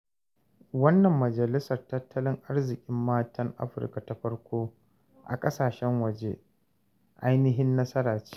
Wannan Majalisar Tattalin Arzikin Matan Afirka ta farko a ƙasashen waje ainihin nasara ce.